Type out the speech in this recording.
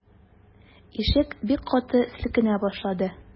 Ишек бик каты селкенә башлады.